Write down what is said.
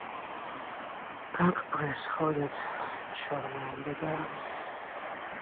как происходит черная беда